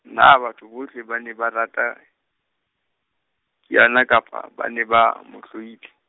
na batho bohle ba ne ba rata Kiana, kapa ba ne ba mo hloile.